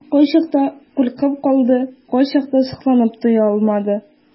Кайчакта куркып калды, кайчакта сокланып туя алмады.